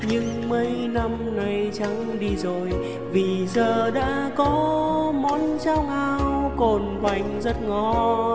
nhưng mấy năm nay chẳng đi rồi vì giờ đã có món cháo ngao cồn vành rất ngon